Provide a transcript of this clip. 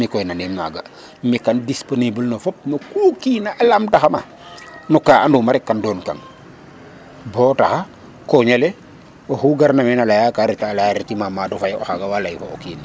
Mi' koy nandim naaga mi' kan disponible no fop no ku kiin a lamtaxama no ka anduma rek kaam doonkang bo taxaa a koñ ale oxu garna meen laya ka laya reti ma Madou Faye o xaaga wa lay fo o kiin.